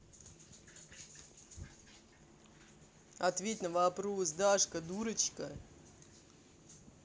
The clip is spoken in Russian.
ответь на вопрос дашка дурочка